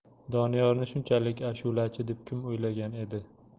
doniyorni shunchalik ashulachi deb kim o'ylagan edi